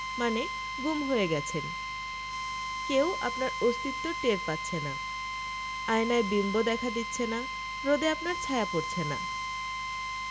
মানে গুম হয়ে গেছেন কেউ আপনার অস্তিত্ব টের পাচ্ছে না আয়নায় বিম্ব দেখা দিচ্ছে না রোদে আপনার ছায়া পড়ছে না